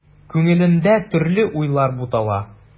Күңелендә төрле уйлар бутала.